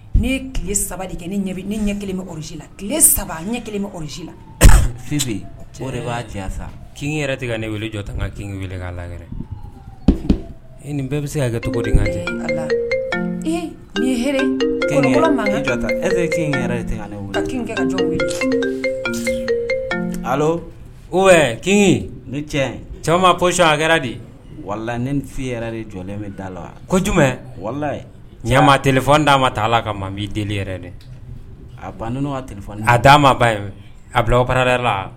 Ni ye tile saba de kɛ ne ɲɛ ne ɲɛ kelen bɛsi la tile saba ɲɛ kelen bɛsi la yen de b'a jan sa kin yɛrɛ tɛ ne weele jɔ tan kin weele la e nin bɛɛ bɛ se ka kɛ cogo kin kin kin ni cɛ caman de wala ni fi yɛrɛ de jɔ bɛ da la ko jum wala ɲama tɛ n d'a ma t la ka ma' deli yɛrɛ dɛ a ban n tɛ a d'a ma ba ye a bila la